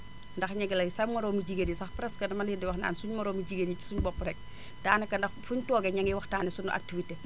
ndax ñi ngi lay sa moromu jigéen ñi sax presque dama leen di wax naan suñu moromu jigéen ñi si suñu bopp rek daanaka ndax fu mutuelle :frau toogee mutuelle :frau ngi waxtaane suñu activité